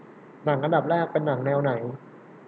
หนังอันดับแรกเป็นหนังแนวไหน